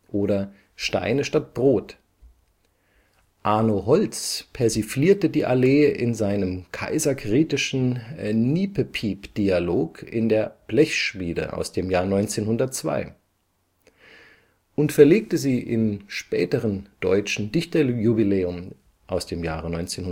oder Steine statt Brot. Arno Holz persiflierte die Allee in seinem kaiserkritischen Niepepiep-Dialog in der Blechschmiede (1902) und verlegte sie im späteren Deutschen Dichterjubiläum (1923